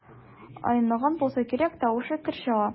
Айныган булса кирәк, тавышы көр чыга.